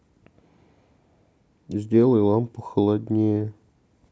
сделай лампу холоднее